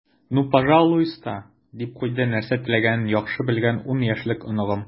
"ну пожалуйста," - дип куйды нәрсә теләгәнен яхшы белгән ун яшьлек оныгым.